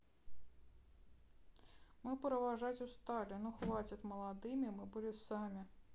мы провожать устали ну хватит молодыми мы были сами